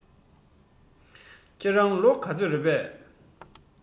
ཁྱེད རང ལོ ག ཚོད རེས